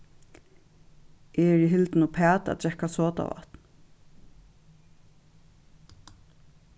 eg eri hildin uppat at drekka sodavatn